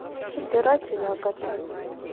собирать ягоды